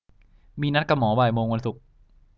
มีนัดกับหมอบ่ายโมงวันศุกร์